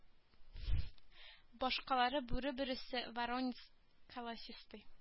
Башаклы бүре бөресе воронец колосистый